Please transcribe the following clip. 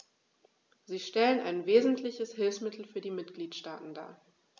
Sie stellen ein wesentliches Hilfsmittel für die Mitgliedstaaten dar.